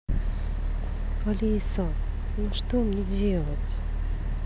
алиса а что мне делать